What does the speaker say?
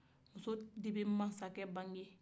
muso de bɛ masakɛ bange